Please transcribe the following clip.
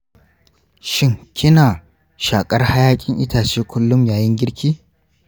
shin kina shakar hayakin itace kullum yayin girki?